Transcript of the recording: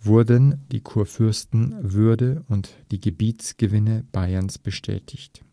wurden die Kurfürstenwürde und die Gebietsgewinne Bayerns bestätigt